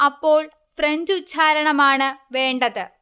അപ്പോൾ ഫ്രഞ്ചുച്ചാരണമാണ് വേണ്ടത്